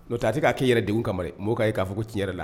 Don t a k'a k'i yɛrɛ de kama mɔgɔ'a ye k'a fɔ ci cɛn yɛrɛ la